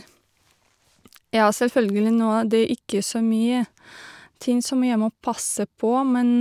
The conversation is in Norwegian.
Ja, selvfølgelig, nå er det ikke så mye ting som jeg må passe på, men...